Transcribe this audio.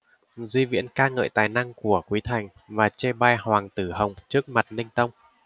di viễn ca ngợi tài năng của quý thành và chê bai hoàng tử hồng trước mặt ninh tông